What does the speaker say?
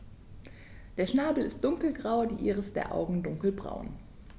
Der Schnabel ist dunkelgrau, die Iris der Augen dunkelbraun.